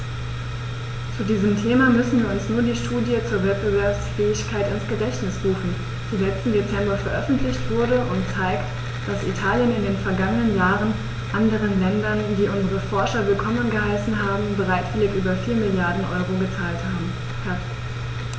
Zu diesem Thema müssen wir uns nur die Studie zur Wettbewerbsfähigkeit ins Gedächtnis rufen, die letzten Dezember veröffentlicht wurde und zeigt, dass Italien in den vergangenen Jahren anderen Ländern, die unsere Forscher willkommen geheißen haben, bereitwillig über 4 Mrd. EUR gezahlt hat.